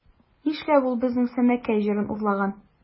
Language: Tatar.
Нишләп ул безнең Сәмәкәй җырын урлаган?